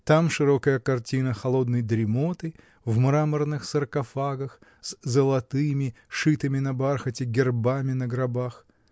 Там широкая картина холодной дремоты в мраморных саркофагах с золотыми, шитыми на бархате, гербами на гробах